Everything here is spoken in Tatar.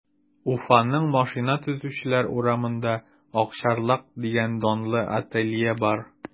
Уфаның Машина төзүчеләр урамында “Акчарлак” дигән данлы ателье бар.